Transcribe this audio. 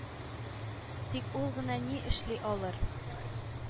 Тик ул гына ни эшли алыр?